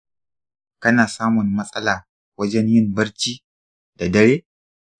kana samun matsala wajen yin barci da dare?